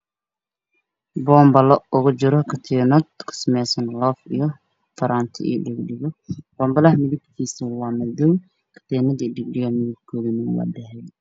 Waa bongo leh ay ku jiraan france iyo deg deggo mombala midabkiisa oo buluu baaraantiin waa dahabi